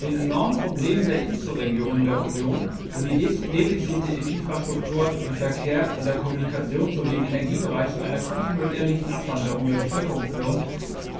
Den enormen Problemen der Inselregionen der Union, wo die Defizite in der Infrastruktur, im Verkehr, in der Kommunikation sowie im Energiebereich zu einer kontinuierlichen Abwanderung der Bevölkerung führen,